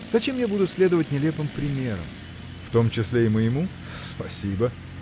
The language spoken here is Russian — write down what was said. Зачем я буду следовать нелепым примерам. – В том числе и моему? спасибо!